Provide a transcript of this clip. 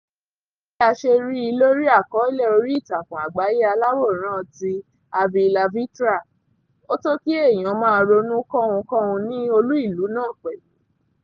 Bí a ṣe ríi lórí àkọọ́lẹ̀ oríìtakùn àgbáyé aláwòrán ti avylavitra, ó tọ́ kí èèyàn máa ronú kọ́hunkọ́hun ní olú-ìlú náà pẹ̀lú.